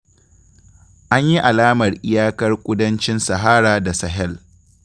An yi alamar iyakar kudancin Sahara da Sahel